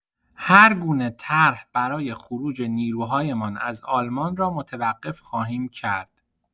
هرگونه طرح برای خروج نیروهایمان از آلمان را متوقف خواهیم کرد.